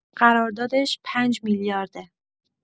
قراردش ۵ میلیارده